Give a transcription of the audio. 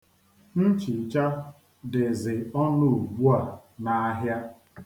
Nchicha dịzị ọnụ ugbua a n'ahịa.